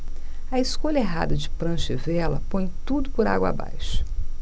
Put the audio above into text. a escolha errada de prancha e vela põe tudo por água abaixo